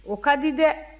o ka di dɛ